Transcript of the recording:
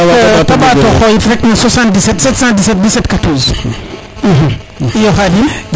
te mbato xoyit rek 777171714 iyo Khadim